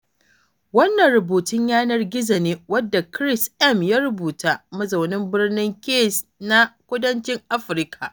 Wannan rubutun yanar gizo ne wadda Chris M ya rubuta, mazaunin birnin Case na kudancin Afrika